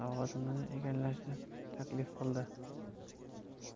o'rinbosari lavozimini egallashni taklif qildi